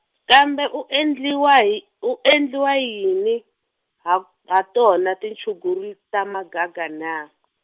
kambe u endliwa hi, u endliwa yini, ha ha tona tinchuguru, ta magaga na ?